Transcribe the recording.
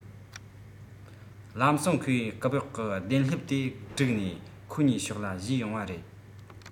ལམ སེང ཁོའི རྐུབ འོག གི གདན ལྷེབ དེ སྒྲུག ནས ཁོ གཉིས ཕྱོགས ལ ཞུས ཡོང བ རེད